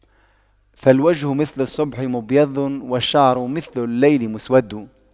فالوجه مثل الصبح مبيض والشعر مثل الليل مسود